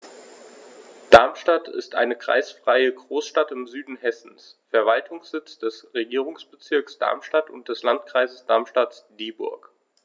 Darmstadt ist eine kreisfreie Großstadt im Süden Hessens, Verwaltungssitz des Regierungsbezirks Darmstadt und des Landkreises Darmstadt-Dieburg.